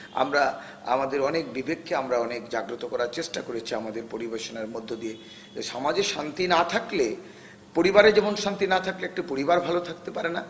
আমাদের অনেক বিবেককে আমরা অনেক জাগ্রত করার পড়েছি আমাদের পরিবেশনার মধ্য দিয়ে সমাজে শান্তি না থাকলে পরিবারে যেমন শান্তি না থাকলে একটি পরিবার ভালো থাকতে পারে না